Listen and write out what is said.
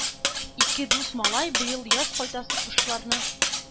Ике дус малай быел яз кайтасы кошларны